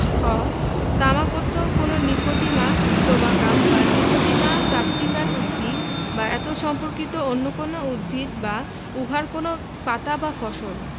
খ তামাক অর্থ কোন নিকোটিমা টোবাকাম বা নিকোটিমা বাসটিকার উদ্ভিদ বা এতদ্ সম্পর্কিত অন্য কোন উদ্ভিদ বা উহার কোন পাতা বা ফসল